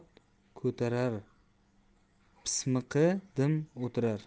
pismiqi dim o'tirar